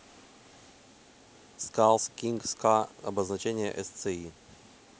skulls king scar обозначение сци